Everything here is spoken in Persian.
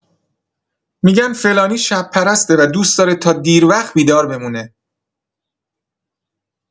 می‌گن فلانی شب‌پرسته و دوست داره تا دیروقت بیدار بمونه.